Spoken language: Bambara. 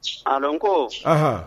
A koɔn